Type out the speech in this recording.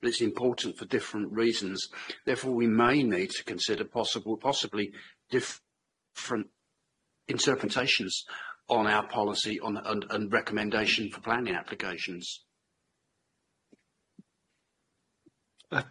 but it's important for different reasons therefore we may need to consider possible possibly dif- front- interpretations on our policy on a- and and recommendation for planning applications.